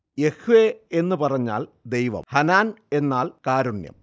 Yahweh എന്നു പറഞ്ഞാൽ ദൈവം, ഹനാൻ എന്നാൽ കാരുണ്യം